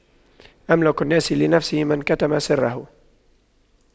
أملك الناس لنفسه من كتم سره